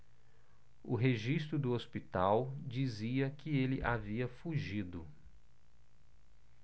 o registro do hospital dizia que ele havia fugido